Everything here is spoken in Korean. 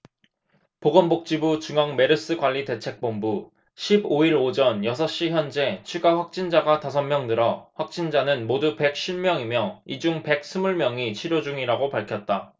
보건복지부 중앙메르스관리대책본부 십 오 일 오전 여섯 시 현재 추가 확진자가 다섯 명 늘어 확진자는 모두 백 쉰 명이며 이 중 백 스물 명이 치료 중이라고 밝혔다